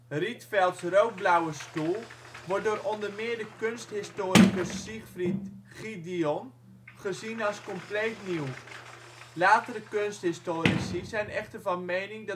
Rietvelds Rood-blauwe stoel wordt door onder meer de kunsthistoricus Siegfried Giedion gezien als compleet nieuw. Latere kunsthistorici zijn echter van mening